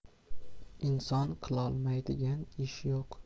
inson qilolmaydigan ish yo'q